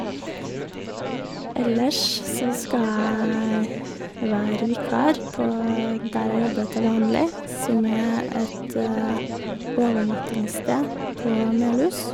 Ellers så skal jeg være vikar på der jeg jobber til vanlig, som er et overnattingssted på Melhus.